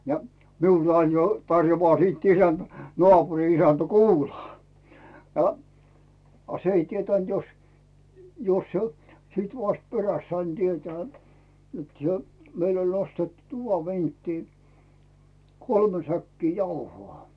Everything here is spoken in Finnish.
ja minulle aina jo tarjoaa sitten isäntä naapurin isäntä kuulaa no a se ei tietänyt jos jos - sitten vasta perästä sain tietää että se meillä oli nostettu tuvan vinttiin kolme säkkiä jauhoa